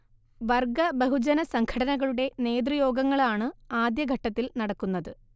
വർഗ ബഹുജന സംഘടനകളുടെ നേതൃയോഗങ്ങളാണ് ആദ്യഘട്ടത്തിൽ നടക്കുന്നത്